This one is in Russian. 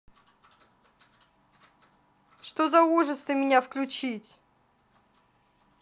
что за ужас ты меня включить